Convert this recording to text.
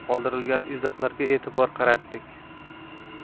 qoldirilgan izohlarga e'tibor qaratdik